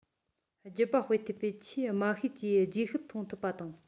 རྒྱུད པ སྤེལ ཐུབ པའི ཆེས དམའ ཤོས ཀྱི རྗེས ཤུལ མཐོང ཐུབ པ དང